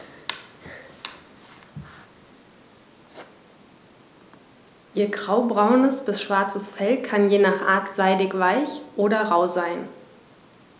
Ihr graubraunes bis schwarzes Fell kann je nach Art seidig-weich oder rau sein.